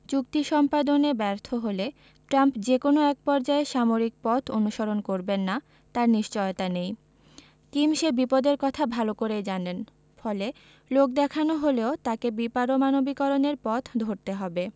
চুক্তি সম্পাদনে ব্যর্থ হলে ট্রাম্প যে কোনো একপর্যায়ে সামরিক পথ অনুসরণ করবেন না তার নিশ্চয়তা নেই কিম সে বিপদের কথা ভালো করেই জানেন ফলে লোকদেখানো হলেও তাঁকে বিপারমাণবিকীকরণের পথ ধরতে হবে